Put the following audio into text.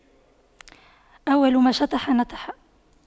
أول ما شطح نطح